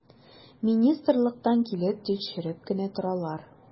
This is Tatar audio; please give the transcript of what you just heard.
Министрлыктан килеп тикшереп кенә торалар.